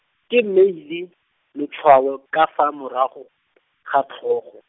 ke mmeile, lotshwao ka fa morago , ga tlhogo.